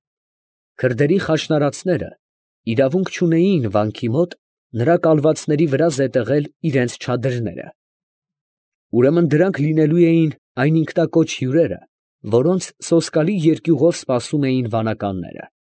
Քրդերի խաշնարածները իրավունք չունեին վանքի մոտ, նրա կալվածների վրա զետեղել իրանց չադրները. ուրեմն դրանք լինելու էին այն ինքնակոչ հյուրերը, որոնց սոսկալի երկյուղով սպասում էին վանականները։